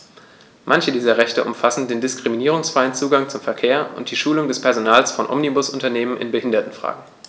Manche dieser Rechte umfassen den diskriminierungsfreien Zugang zum Verkehr und die Schulung des Personals von Omnibusunternehmen in Behindertenfragen.